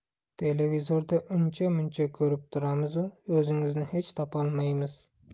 televizorda uncha muncha ko'rib turamizu o'zingizni hech topolmaymiz